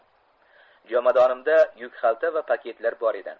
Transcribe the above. jomadonimda yukxalta va paketlar bor edi